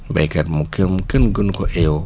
béykat mu kenn mu kenn gënu ko ayoo